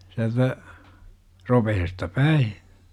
sieltä ropeesta päin